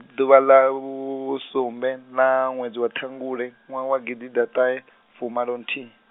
ḓuvha ḽa vhusumbe, na ṅwedzi wa ṱhangule, ṅwaha wa gidiḓaṱahefumalonthihi.